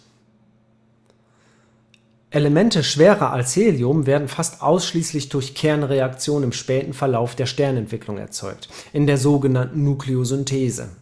Elemente schwerer als Helium werden fast ausschließlich durch Kernreaktionen im späten Verlauf der Sternentwicklung erzeugt, in der so genannten Nukleosynthese